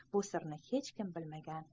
bu sirni hech kim bilmagan